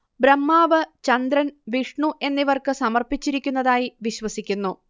ബ്രഹ്മാവ് ചന്ദ്രൻ വിഷ്ണു എന്നിവർക്ക് സമർപ്പിച്ചിരിക്കുന്നതായി വിശ്വസിക്കുന്നു